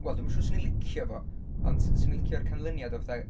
wel, dwi'm yn siwr os 'swn i'n licio fo, ond s- 'swn i'n licio'r canlyniad o, fatha...